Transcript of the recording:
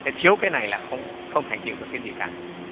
thiếu cái này là không thành tựu được cái gì cả